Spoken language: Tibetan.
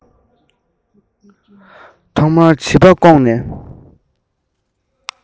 ཐོག མར བྱིས པ གོག ནས